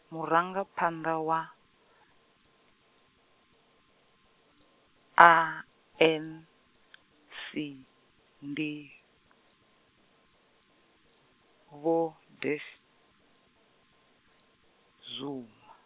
murangaphanḓa wa, ANC ndi, Vho dash, Zuma.